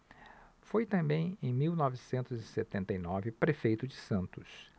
foi também em mil novecentos e setenta e nove prefeito de santos